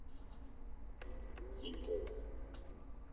фильм поезд